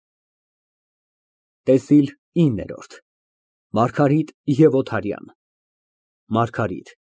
ՏԵՍԻԼ ԻՆՆԵՐՈՐԴ ՄԱՐԳԱՐԻՏ ԵՎ ՕԹԱՐՅԱՆ ՄԱՐԳԱՐԻՏ ֊